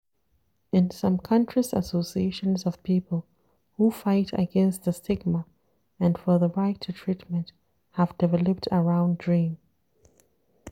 In some countries associations of people who fight against the stigma and for the right to treatment have developed around DREAM.